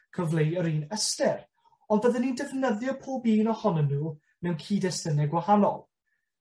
cyfleu yr un ystyr. Ond bydden ni'n defnyddio pob un ohonyn nw mewn cyd-destune gwahanol.